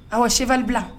Awɔ, cheval blanc